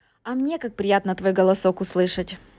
а мне как приятно твой голосок услышать